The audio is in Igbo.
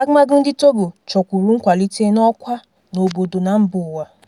Agụmagụ ndị Togo chọkwuru nkwalite n'ọkwa n'obodo na mba ụwa.